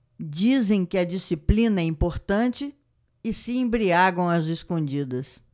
dizem que a disciplina é importante e se embriagam às escondidas